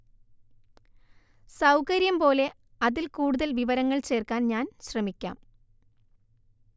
സൗകര്യം പോലെ അതിൽ കൂടുതൽ വിവരങ്ങൾ ചേർക്കാൻ ഞാൻ ശ്രമിക്കാം